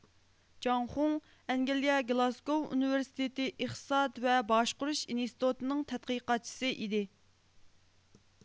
جاڭ خۇڭ ئەنگلىيە گىلاسگوۋ ئۇنىۋېرسىتېتى ئىقتىساد ۋە باشقۇرۇش ئىنستىتۇتىنىڭ تەتقىقاتچىسى ئىدى